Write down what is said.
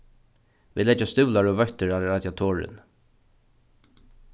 vit leggja stivlar og vøttir á radiatorin